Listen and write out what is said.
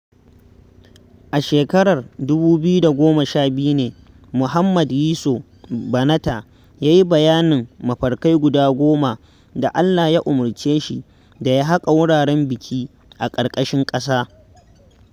A shekarar 2012 ne Mohammed Yiso Banatah ya yi bayanin mafarkai guda goma da Allah Ya umarce shi da ya haƙa wuraren biki a ƙarƙashin ƙasa.